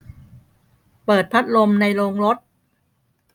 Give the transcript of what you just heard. เปิดพัดลมในโรงรถ